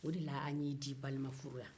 o de la an y'i di balimafuru la